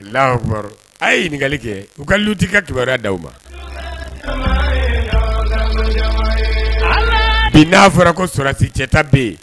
- Allahou Akbarou a ye ɲininkali kɛ ,u ka luti ka kibaruya d'aw ma. Bi n'a fɔra ko sɔrɔdasi cɛta bɛ yen